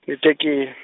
ni tekil-.